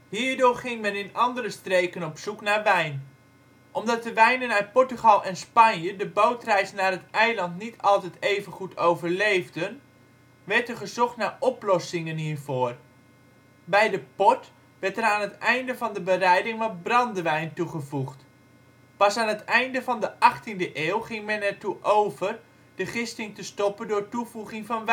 Hierdoor ging men in andere streken op zoek naar wijn. Omdat de wijnen uit Portugal en Spanje de bootreis naar het eiland niet altijd even goed overleefden, werd er gezocht naar oplossingen hiervoor. Bij de port werd er aan het einde van de bereiding wat brandewijn toegevoegd. Pas aan het einde van de 18e eeuw ging men ertoe over de gisting te stoppen door toevoeging van